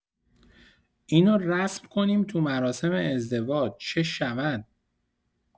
اینو رسم کنیم تو مراسم ازدواج چه شود